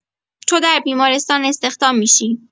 تو در بیمارستان استخدام می‌شی.